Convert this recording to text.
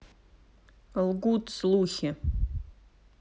лгут слухи